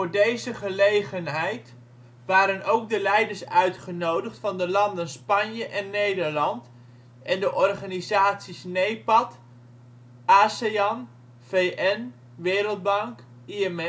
deze gelegenheid waren ook de leiders uitgenodigd van de landen Spanje en Nederland en de organisaties NEPAD, ASEAN, VN, Wereldbank, IMF